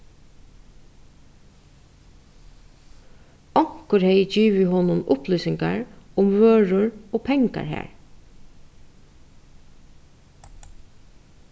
onkur hevði givið honum upplýsingar um vørur og pengar har